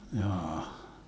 jaa